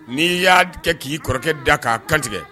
N'i y'a kɛ k'i kɔrɔkɛ da k'a kantigɛ